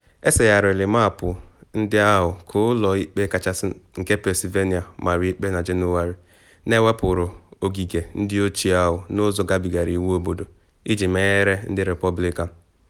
Esegharịrị maapụ ndị ahụ ka Ụlọ Ikpe Kachasị nke Pennsylvania mara ikpe na Jenụwarị na ekewapụrụ ogige ndị ochie ahụ n’ụzọ gabigara iwu obodo iji menyere ndị Repoblikan.